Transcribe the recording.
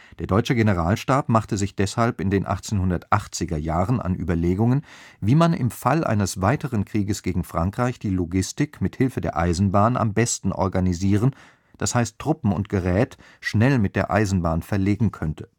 Der deutsche Generalstab machte sich deshalb in den 1880er Jahren an Überlegungen, wie man im Fall eines weiteren Krieges gegen Frankreich die Logistik mit Hilfe der Eisenbahn am besten organisieren, d. h. Truppen und Gerät schnell mit der Eisenbahn verlegen könnte